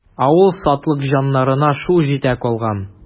Авыл сатлыкҗаннарына шул җитә калган.